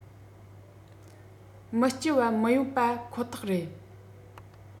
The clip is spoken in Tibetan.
མི སྐྱིད བ མི ཡོང པ ཁོ ཐག རེད